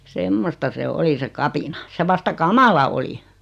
semmoista se oli se kapina se vasta kamala oli